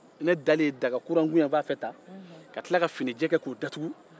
ne dalen daga kura n kunyanfan fɛ tan ka tila finijɛ kɛ k'o datugu